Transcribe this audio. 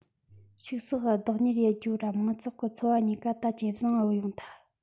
ཕྱུགས ཟོག ག བདག གཉེར ཡེད རྒྱུའོ ར མང ཚོགས གི འཚོ བ གཉིས ཀ ད ཇེ བཟང ཇེ བང ང བུད ཡོང ཐལ